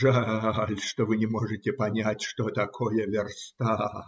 Жаль, что вы не можете понять, что такое верста.